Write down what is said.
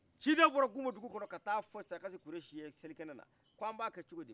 ciden bɔra gumo dugu kɔnɔ ka taa fɔ sarakasi kurɛsi selikɛnɛ ko an b' a kɛ cogodi